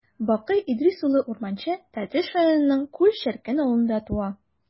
Бакый Идрис улы Урманче Тәтеш районының Күл черкен авылында туа.